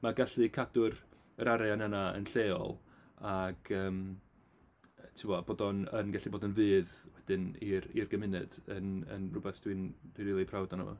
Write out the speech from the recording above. Ma' gallu cadw'r yr arian yna yn lleol ac yym tibod, bod o'n yn gallu bod yn fudd wedyn i'r i'r gymuned yn yn rywbeth dwi'n dwi rili prowd ohono fo.